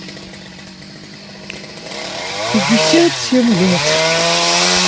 пятьдесят семь лет